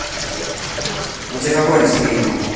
у тебя какое настроение